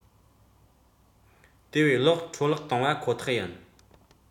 དེ བས གློག འཕྲོ བརླག གཏོང བ ཁོ ཐག ཡིན